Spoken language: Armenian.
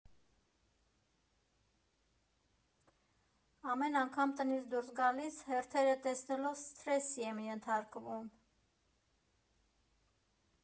Ամեն անգամ տնից դուրս գալիս հերթերը տեսնելով՝ սթրեսի եմ ենթարկվում։